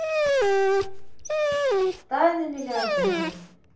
тайна миллиардера